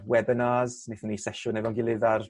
webinars nethon ni sesiwn efo'n gilydd ar